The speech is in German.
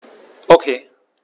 Okay.